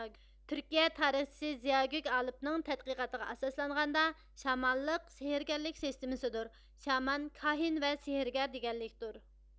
تۈركىيە تارىخچىسى زىياگۆكئالىپنىڭ تەتقىقاتىغا ئاساسلانغاندا شامانلىق سېھىرىگەرلىك سېستىمىسىدۇر شامان كاھىن ۋە سېھىرىگەر دىگەنلىكتۇر